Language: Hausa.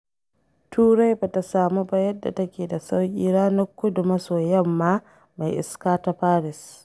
Turai ba ta samu ba yadda take da sauki, ranar kudu-maso-yamma mai iska ta Paris.